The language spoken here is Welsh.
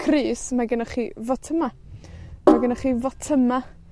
crys, mae gynnoch chi fotyma', Ma' gennoch chi fotyma'